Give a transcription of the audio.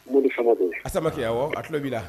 A sama kɛya a tulolo b'i la